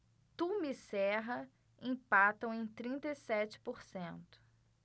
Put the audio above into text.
tuma e serra empatam em trinta e sete por cento